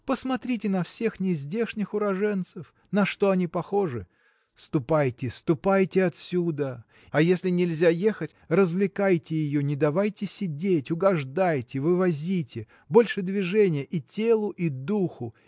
Посмотрите на всех нездешних уроженцев: на что они похожи? Ступайте, ступайте отсюда. А если нельзя ехать развлекайте ее не давайте сидеть угождайте вывозите больше движения и телу, и духу